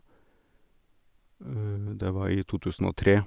Det var i to tusen og tre.